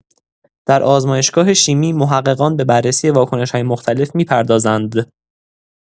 در آزمایشگاه شیمی، محققان به بررسی واکنش‌های مختلف می‌پردازند.